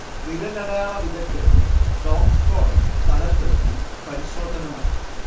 വിരലടയാള വിധഗ്ധരും ഡോഗ്സ്ക്വാഡും സ്ഥലത്ത് എത്തി പരിശോധന നടത്തി